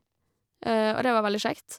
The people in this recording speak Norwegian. Og det var veldig kjekt.